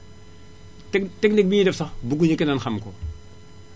tec technique bi ñuy def sax bëgguñu keneen xam ko